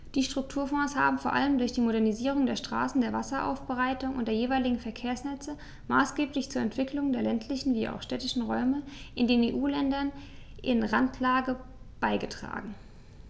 Die Strukturfonds haben vor allem durch die Modernisierung der Straßen, der Wasseraufbereitung und der jeweiligen Verkehrsnetze maßgeblich zur Entwicklung der ländlichen wie auch städtischen Räume in den EU-Ländern in Randlage beigetragen.